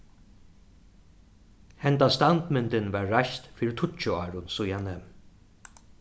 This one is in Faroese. henda standmyndin varð reist fyri tíggju árum síðani